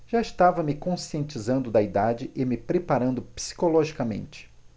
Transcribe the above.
já estava me conscientizando da idade e me preparando psicologicamente